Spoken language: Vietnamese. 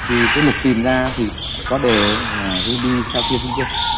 thì tôi lục tìm ra thì có đề á là ru bi sa phia kim cương